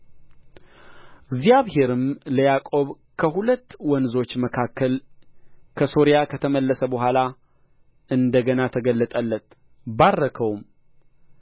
እግዚአብሔርም ለያዕቆብ ከሁለት ወንዞች መካከል ከሶርያ ከተመለሰ በኋላ እንደ ገና ተገለጠለት ባረከውም